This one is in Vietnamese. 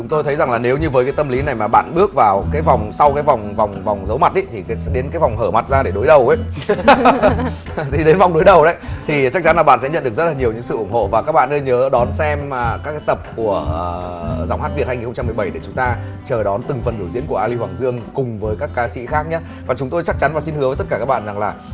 chúng tôi thấy rằng là nếu như với cái tâm lý này mà bạn bước vào cái vòng sau cái vòng vòng vòng giấu mặt í thì cái đến cái vòng hở mặt ra để đối đầu í ha ha ha thì đến vòng đối đầu đấy thì chắc chắn là bạn sẽ nhận được rất là nhiều những sự ủng hộ và các bạn nên nhớ đón xem mà các cái tập của giọng hát việt hai nghìn không trăm mười bẩy để chúng ta chờ đón từng phần biểu diễn của a li hoàng dương cùng với các ca sĩ khác nhớ còn chúng tôi chắc chắn và xin hứa với tất cả các bạn rằng là